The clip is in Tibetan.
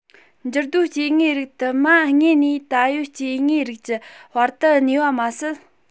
འགྱུར རྡོའི སྐྱེ དངོས རིགས དུ མ དངོས གནས ད ཡོད སྐྱེ དངོས རིགས ཀྱི བར དུ གནས པ མ ཟད